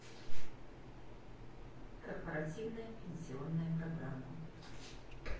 корпоративная пенсионная программа